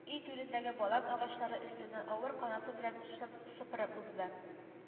Өй түрендәге балан агачлары өстеннән авыр канаты белән шып сыпырып узды